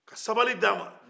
ka sabali d'ama